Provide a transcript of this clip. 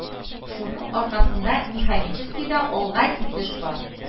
Шуның аркасында механическийда алга китеш бар